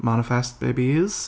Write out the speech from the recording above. Manifest babies.